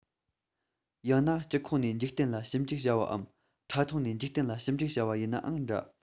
ཡང ན སྤྱི ཁོག ནས འཇིག རྟེན ལ ཞིབ འཇུག བྱ བའམ ཕྲ མཐོང ནས འཇིག རྟེན ལ ཞིབ འཇུག བྱ བ ཡིན ནའང འདྲ